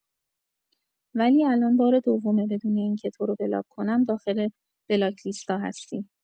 ولی الان بار دومه بدون اینکه تورو بلاک کنم داخل بلاک لیستا هستی!